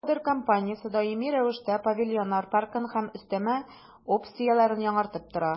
«родер» компаниясе даими рәвештә павильоннар паркын һәм өстәмә опцияләрен яңартып тора.